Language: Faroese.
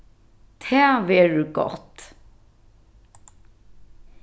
tað verður gott